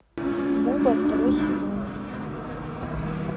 буба второй сезон